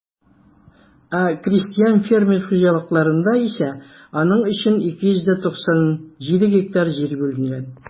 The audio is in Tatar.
Ә крестьян-фермер хуҗалыкларында исә аның өчен 297 гектар җир бүленгән.